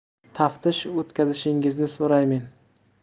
taftish o'tkazishingizni so'raymen